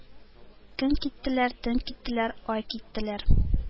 Көн киттеләр, төн киттеләр, ай киттеләр,